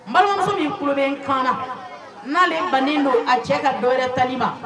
N balimamuso min kulen kaana n'ale bannen don a cɛ ka dɔɛrɛ taliba